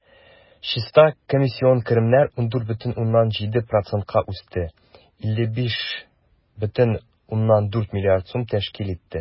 Чиста комиссион керемнәр 14,7 %-ка үсте, 55,4 млрд сум тәшкил итте.